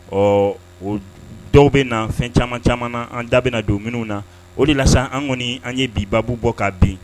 Ɔ o dɔw bɛ na fɛn caman caman na an da bɛna na don minnu na o de la an kɔni an ye bi baabu bɔ k' bin